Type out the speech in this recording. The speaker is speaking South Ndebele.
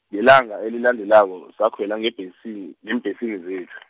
ngelanga elilandelako sakhwela ngebhesini, ngeembhesini zeth-.